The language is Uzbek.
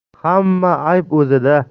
xamma ayb uzida